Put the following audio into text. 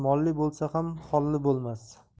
molli bo'lsa ham holli bo'lmas